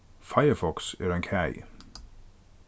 firefox er ein kagi